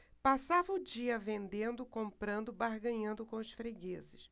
passava o dia vendendo comprando barganhando com os fregueses